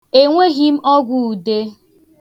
Enweghị m ọgwụude.